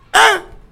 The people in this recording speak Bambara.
H